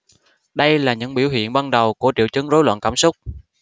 đây là những biểu hiện ban đầu của triệu chứng rối loạn cảm xúc